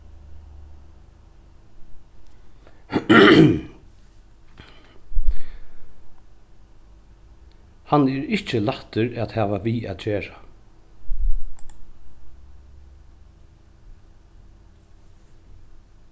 hann er ikki lættur at hava við at gera